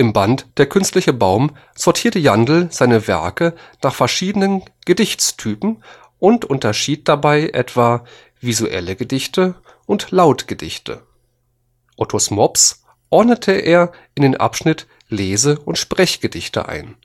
Band der künstliche baum sortierte Jandl seine Werke nach verschiedenen Gedichtstypen und unterschied dabei etwa visuelle gedichte und lautgedichte. ottos mops ordnete er in den Abschnitt lese - und sprechgedichte ein